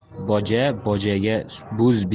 boja bojaga bo'z